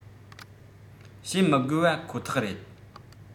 བཤད མི དགོས པ ཁོ ཐག རེད